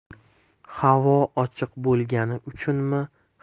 havo ochiq bo'lgani uchunmi